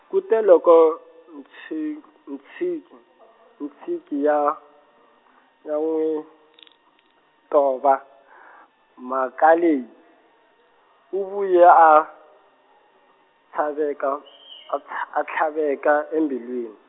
kute loko, Ntshi- , Ntshiki , Ntshiki ya, ya n'wi , tova , mhaka leyi , u vuya a, tlhaveka , a tlh-, a tlhaveka, embilwini.